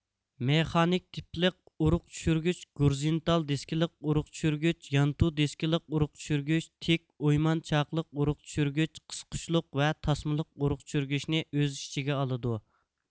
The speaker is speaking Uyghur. مېخانىك تىپلىق ئۇرۇق چۈشۈرگۈچ گورىزۇنتال دىسكىلىق ئۇرۇق چۈشۈرگۈچ يانتۇ دېسكىلىق ئۇرۇق چۈشۈرگۈچ تىك ئويمان چاقلىق ئۇرۇق چۈشۈرگۈچ قىسقۇچلۇق ۋە تاسمىلىق ئۇرۇق چۈشۈرگۈچنى ئۆز ئىچىگە ئالىدۇ